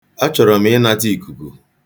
Achọrọ m ịnata ikuku.